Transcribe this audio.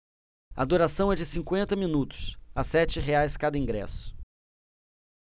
a duração é de cinquenta minutos a sete reais cada ingresso